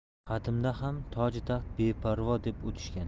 qadimda ham toji taxt bevafo deb o'tishgan